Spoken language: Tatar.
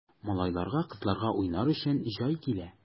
Малайларга, кызларга уйнар өчен җай килә!